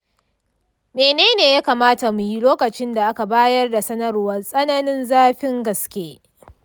mene ne ya kamata mu yi lokacin da aka bayar da sanarwar tsananin zafin gaske